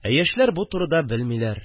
Ә яшьләр бу турыда белмиләр